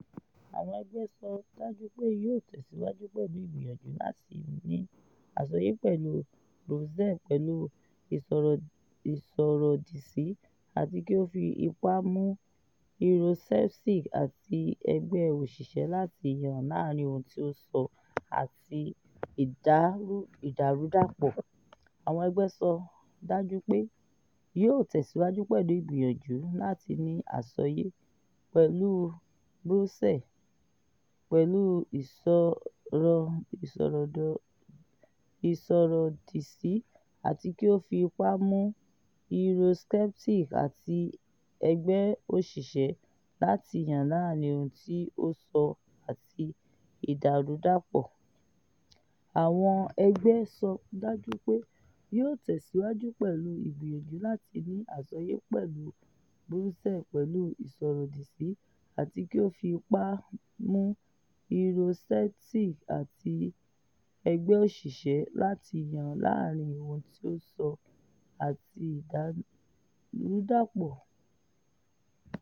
Àwọn ẹgbẹ́ sọ dájú pé yóò tẹ̀síwájú pẹ̀lú ìgbìyànjú láti ní àsọyé pẹ̀lú Brussels pẹ̀lu isọrọdisi - ati ki o fi ipa mu Eurosceptics ati Ẹgbẹ oṣiṣẹ lati yan laarin ohun ti o sọ ati 'Idarudapọ'